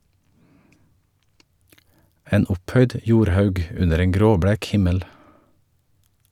En opphøyd jordhaug under en gråblek himmel.